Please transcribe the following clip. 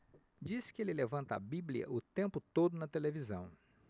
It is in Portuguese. diz que ele levanta a bíblia o tempo todo na televisão